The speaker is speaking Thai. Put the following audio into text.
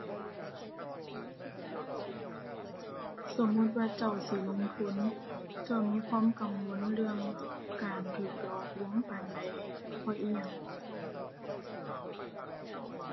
สมมุติว่าเจ้าสิลงทุน เจ้ามีความกังวลเรื่องการถูกหลอกลวงปานใด เพราะอิหยัง